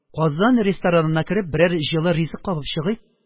«казан» ресторанына кереп, берәр җылы ризык кабып чыгыйк